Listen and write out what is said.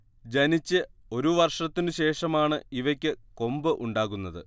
ജനിച്ച് ഒരുവർഷത്തിനുശേഷമാണ് ഇവയ്ക്ക് കൊമ്പ് ഉണ്ടാകുന്നത്